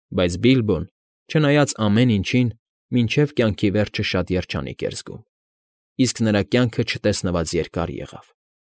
Բայց Բիլբոն, չնայած ամեն ինչին, մինչև կյանքի վերջը շատ երջանիկ էր զգում, իսկ նրա կյանքը չտեսնված երկար եղավ։